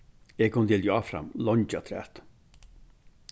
eg kundi hildið áfram leingi afturat